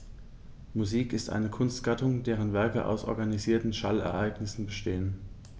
Musik ist eine Kunstgattung, deren Werke aus organisierten Schallereignissen bestehen.